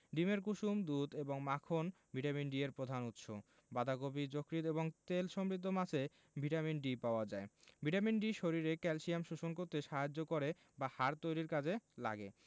ডিমের কুসুম দুধ এবং মাখন ভিটামিন ডি এর প্রধান উৎস বাঁধাকপি যকৃৎ এবং তেল সমৃদ্ধ মাছে ভিটামিন ডি পাওয়া যায় ভিটামিন ডি শরীরে ক্যালসিয়াম শোষণ করতে সাহায্য করে যা হাড় তৈরীর কাজে লাগে